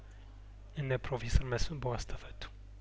እነ ፕሮፌሰር መስፍን በዋስ ተፈቱ